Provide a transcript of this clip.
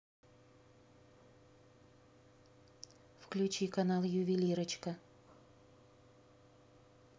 включи канал ювелирочка